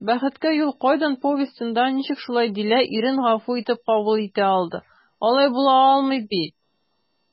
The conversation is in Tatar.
«бәхеткә юл кайдан» повестенда ничек шулай дилә ирен гафу итеп кабул итә алды, алай була алмый бит?»